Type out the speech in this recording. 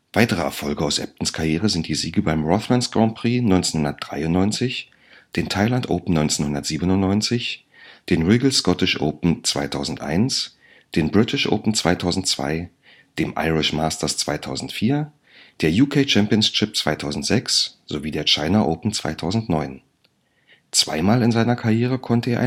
Weitere Erfolge aus Ebdons Karriere sind die Siege beim Rothmans Grand Prix 1993, den Thailand Open 1997, den Regal Scottish Open 2001, den British Open 2002, dem Irish Masters 2004, der UK Championship 2006 sowie der China Open 2009. Zweimal in seiner Karriere konnte